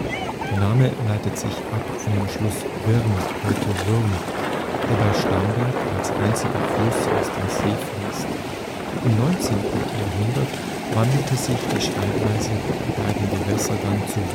Der Name leitet sich ab von dem Fluss Wirm (heute Würm), der bei Starnberg als einziger Fluss aus dem See fließt. Im 19. Jahrhundert wandelte sich die Schreibweise der beiden Gewässer dann zu